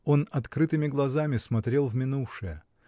Он открытыми глазами смотрел в минувшее.